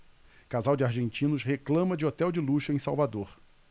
casal de argentinos reclama de hotel de luxo em salvador